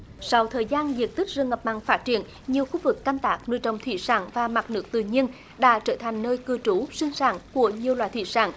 sau thời gian diện tích rừng ngập mặn phát triển như khu vực canh tác nuôi trồng thủy sản và mặt nước tự nhiên đã trở thành nơi cư trú sinh sản của nhiều loài thủy sản